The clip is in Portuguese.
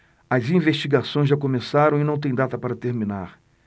as investigações já começaram e não têm data para terminar